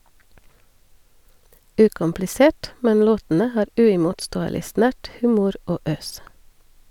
Ukomplisert , men låtene har uimotståelig snert, humor og øs.